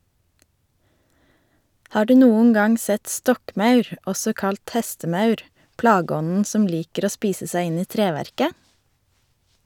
Har du noen gang sett stokkmaur , også kalt hestemaur , plageånden som liker å spise seg inn i treverket?